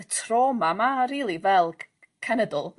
y trauma 'ma rili fel c- c- cenedl